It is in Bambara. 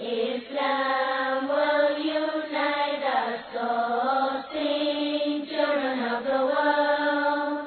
Mɔgɔ yo bɛla se joona wa